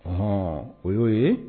Hɔn o y'o ye